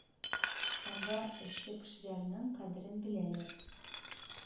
Анда эшче кешенең кадерен беләләр